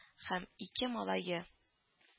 Һәм ике малае